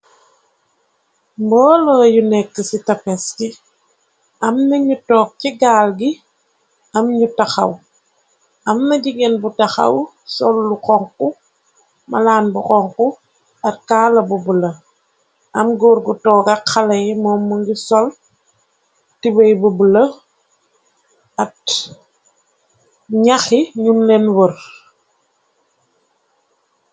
Mboolo yu nekk ci tapes gi am na ñu toog ci gaal gi am ñu taxaw amna jigéen bu taxaw sol lu xonxu malaan bu xonxu at kaala bu bula am górgu tooga xalayi moo mu ngi sol tibey bu bula at ñaxi ñun leen wor.